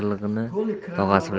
bilar jiyan qilig'ini tog'asi